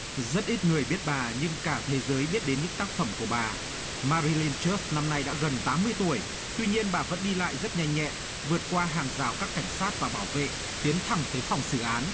rất ít người biết bà nhưng cả thế giới biết đến những tác phẩm của bà ma ri lyn trớt năm nay đã gần tám mươi tuổi tuy nhiên bà vẫn đi lại rất nhanh nhẹn vượt qua hàng rào các cảnh sát và bảo vệ tiến thẳng tới phòng xử án